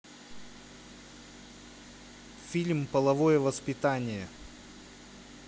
фильм половое воспитание